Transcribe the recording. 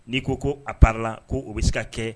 N'i ko ko a pa la ko o bɛ se ka kɛ